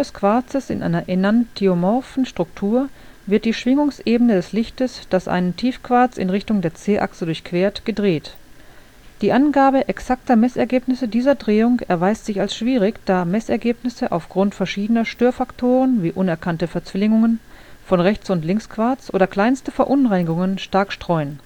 Quarzes in einer enantiomorphen Struktur wird die Schwingungsebene des Lichtes, das einen Tiefquarz in Richtung der c-Achse durchquert, gedreht. Die Angabe exakter Messergebnisse dieser Drehung erweist sich als schwierig, da Messergebnisse aufgrund verschiedener Störfaktoren wie unerkannte Verzwillingungen von Rechts - und Linksquarz oder kleinste Verunreinigungen stark streuen